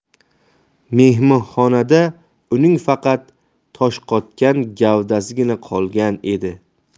mehmonxonada uning faqat toshqotgan gavdasigina qolgan edi